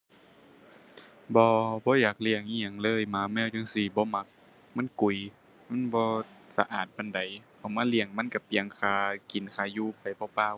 บ่ บ่อยากเลี้ยงอิหยังเลย หมาแมวจั่งซี้บ่มัก มันกุย มันบ่สะอาดปานใด เอามาเลี้ยงมันก็เปลืองค่ากินค่าอยู่ไปเปล่าเปล่า